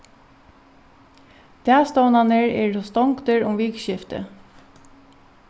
dagstovnarnir eru stongdir um vikuskiftið